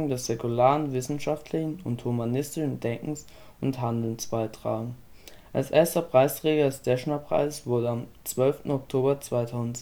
des säkularen, wissenschaftlichen und humanistischen Denkens und Handelns beitragen “. Als erster Preisträger des „ Deschner-Preises “wurde am 12. Oktober 2007